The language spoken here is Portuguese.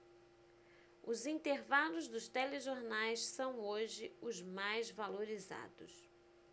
os intervalos dos telejornais são hoje os mais valorizados